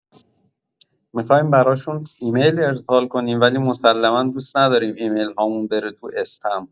می‌خواییم براشون ایمیل ارسال کنیم ولی مسلما دوست نداریم ایمیل‌هامون بره تو اسپم.